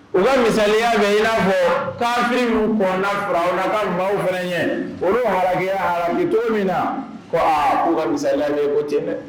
U bɛ misaliya bɛ i'a fɔ k'afi kɔnɔnana fara u la ka mɔgɔw fana ye olu haya to min na ko aa k u ka misaya ye ko tiɲɛ dɛ